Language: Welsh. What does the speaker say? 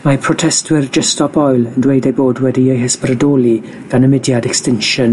Mae protestwyr Just Stop Oil yn dweud eu bod wedi eu hysbrydoli gan y mudiad *Extinction